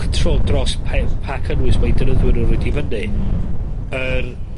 control dros pai- pa cynnwys ma'u defnyddwyr nw roid i fynny. Hmm. Yr...